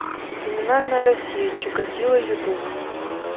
криминальная россия чикатило ютуб